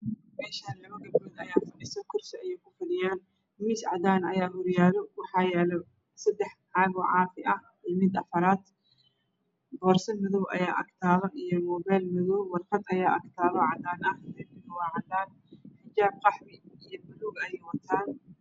Meshan Labo gabdhod ayaafadhiso korsi ayey kufadhiyaan mis cadan ayahoryaalowaxa yaalo sidax cag ocaafi ah iyo mid Afarad bosomadow ayaa Agtaalo iyo mobel madow warqad ayaa Agtalo ocadan ah xijab derbigawacadan xijabqaxwi iyo balug ayaywatan